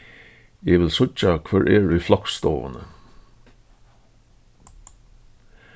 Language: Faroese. eg vil síggja hvør er í floksstovuni